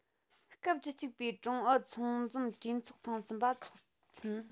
སྐབས བཅུ གཅིག པའི ཀྲུང ཨུ ཚང འཛོམས གྲོས ཚོགས ཐེངས གསུམ པ འཚོགས ཚུན